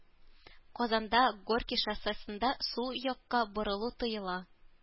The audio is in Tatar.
Казанда Горький шоссесында сул якка борылу тыела.